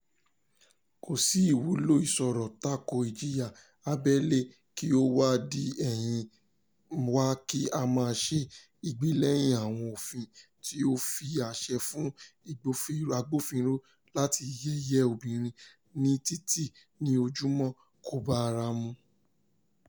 Kò sí ìwúlò ìsọ̀rọ̀ tako ìjìyà abẹ́lé kí ó wá di ẹ̀yìn wá kí a máa ṣe ìgbèlẹ́yìn àwọn òfin tí ó fi àṣẹ fún agbófinró láti yẹ̀yẹ́ obìrin ní títì ní ojúmọ́, kò bá ara mu!